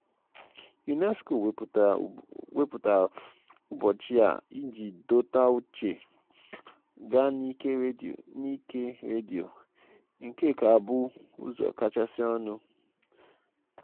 UNESCO wepụtara ụbọchị a iji dọta uche gaa n'ike redio — nke ka bụ ụzọ kachasị ọnụ ala ma dị mfe ibugharị iji ruo ndị na-ege ntị n'ọtụtụ ebe.